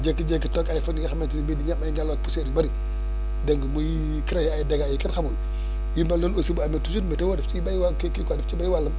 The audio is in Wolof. jékki-jékki toog ay fan yi nga xamante ni bii di nga am ay ngelaw ak poussières yu bëri dégg nga muy créé ay dégâts yu kenn xamul yu mel noonu aussi bu amee toujours météo daf ciy béy wa kii kii quoi daf ciy béy wàllam